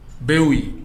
Bɛɛ y'o ye